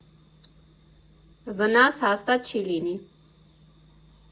Վնաս հաստատ չի լինի։